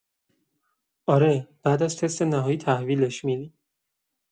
آره، بعد از تست نهایی تحویلش می‌دیم.